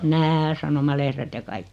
nämä sanomalehdet ja kaikki